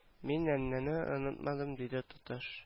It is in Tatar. Мин әннә не онытмадым диде тотыш